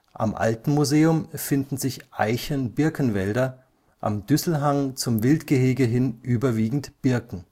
Am alten Museum finden sich Eichen-Birken-Wälder, am Düsselhang zum Wildgehege hin überwiegend Birken